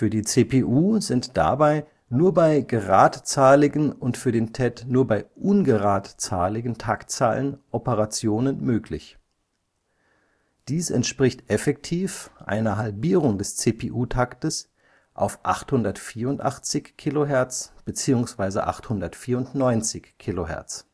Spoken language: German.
die CPU sind dabei nur bei geradzahligen und für den TED nur bei ungeradzahligen Taktzahlen Operationen möglich. Dies entspricht effektiv einer Halbierung des CPU-Taktes auf 884 kHz bzw. 894 kHz